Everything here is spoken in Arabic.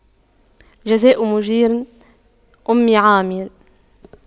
جزاء مُجيرِ أُمِّ عامِرٍ